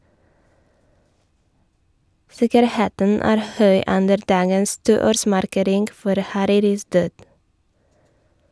Sikkerheten er høy under dagens toårsmarkering for Hariris død.